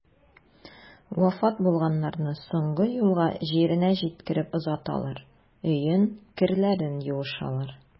Вафат булганнарны соңгы юлга җиренә җиткереп озаталар, өен, керләрен юышалар.